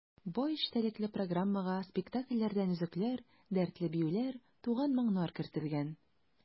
Бай эчтәлекле программага спектакльләрдән өзекләр, дәртле биюләр, туган моңнар кертелгән.